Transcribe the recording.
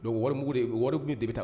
Don warim wariuni de bɛ taa